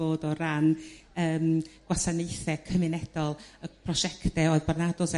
bod o ran yrm gwasanaethe cymunedol y prosiecte o'dd Barnados